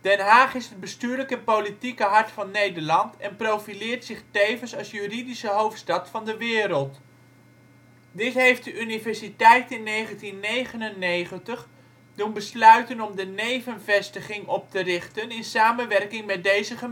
Haag is het bestuurlijk en politieke hart van Nederland en profileert zich tevens als juridische hoofdstad van de wereld. Dit heeft de universiteit in 1999 doen besluiten om de nevenvestiging op te richten in samenwerking met deze